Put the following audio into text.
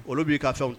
Olu b'i ka fɛnw